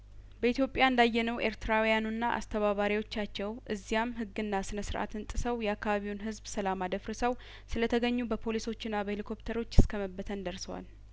በኢትዮጵያ እንዳ የነው ኤርትራውያኑና አስተባባሪዎቻቸው እዚያም ህግና ስነ ስርአትን ጥሰው የአካባቢውን ህዝብ ሰላም አደፍ ርሰው ስለተገኙ በፖሊሶችና በሄሊኮፕተሮች እስከመበተን ደርሰዋል